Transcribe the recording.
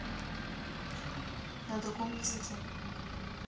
на другом языке